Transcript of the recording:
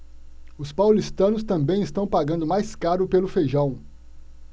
os paulistanos também estão pagando mais caro pelo feijão